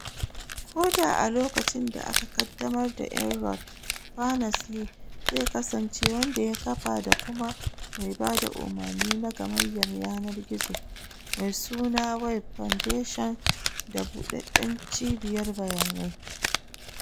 Ko da a lokacin da aka kaddamar da Inrupt, Berners-Lee zai kasance wanda ya kafa da kuma mai ba da umarni na Gammayyar Yanar Gizo, mai suna Web Foundation da Budaden Cibiyar Bayanai.